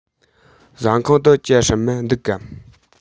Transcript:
ཟ ཁང དུ ཇ སྲུབས མ འདུག གམ